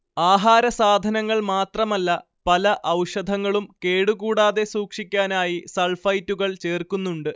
ആഹാരസാധനങ്ങൾ മാത്രമല്ല പല ഔഷധങ്ങളും കേട്കൂടാതെ സൂക്ഷിക്കാനായി സൾഫൈറ്റുകൾ ചേർക്കുന്നുണ്ട്